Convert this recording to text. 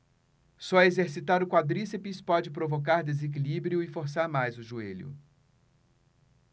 só exercitar o quadríceps pode provocar desequilíbrio e forçar mais o joelho